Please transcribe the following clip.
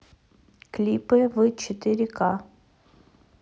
клипы в четыре к